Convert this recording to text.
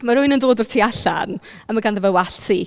Ma' rywun yn dod o'r tu allan a ma' ganddo fe wallt syth.